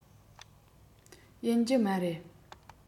ཡིན གྱི མ རེད